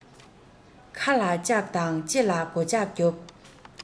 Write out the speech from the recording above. ཁ ལ ལྕགས དང ལྕེ ལ སྒོ ལྩགས རྒྱོབ